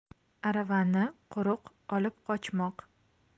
aravani quruq olib qochmoq